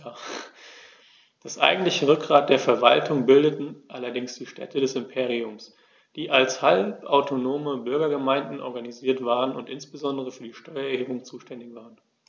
Das eigentliche Rückgrat der Verwaltung bildeten allerdings die Städte des Imperiums, die als halbautonome Bürgergemeinden organisiert waren und insbesondere für die Steuererhebung zuständig waren.